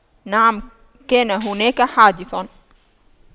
نعم كان هناك حادث